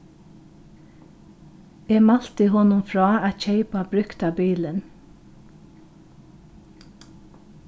eg mælti honum frá at keypa brúkta bilin